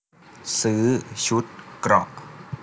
ซื้อชุดเกราะ